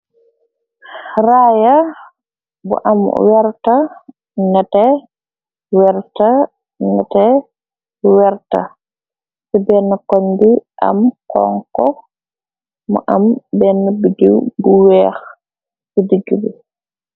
Raya bu am werta nete werta nete werta ci benn kon bi am conko mu am benn biddiw bu weex ci dijj bi.